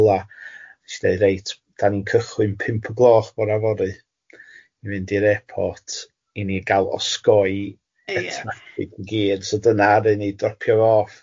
Ti'n deud reit dan ni'n cychwyn pump o gloch bore fory i fynd i'r airport i ni gael osgoi y traffig... Ia. ...i gyd so dyna ro'n ni'n dropio fo off.